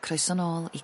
Croeso' nôl i...